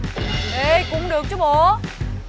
ê cũng được bố